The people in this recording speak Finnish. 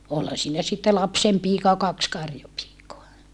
olihan siinä sitten lapsenpiika ja kaksi karjapiikaa